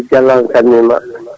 Djiby ne salmin ma